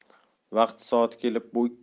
vaqti soati kelib